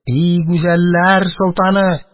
И гүзәлләр солтаны!